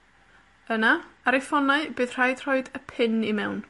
Yna, ar eu ffonau, bydd rhaid rhoid y pin i mewn.